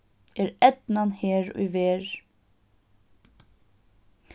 er eydnan her í verð